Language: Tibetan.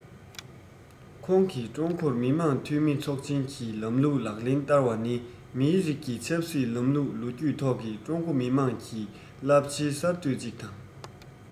ཁོང གིས ཀྲུང གོར མི དམངས འཐུས མི ཚོགས ཆེན གྱི ལམ ལུགས ལག ལེན བསྟར བ ནི མིའི རིགས ཀྱི ཆབ སྲིད ལམ ལུགས ལོ རྒྱུས ཐོག གི ཀྲུང གོ མི དམངས ཀྱི རླབས ཆེའི གསར གཏོད ཅིག དང